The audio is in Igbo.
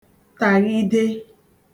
tàghide